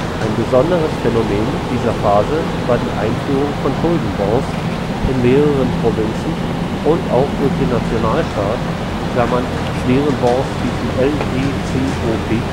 Ein besonderes Phänomen dieser Phase war die Einführung von Schulden-Bonds in mehreren Provinzen und auch durch den Nationalstaat (deren Bonds hießen LECOP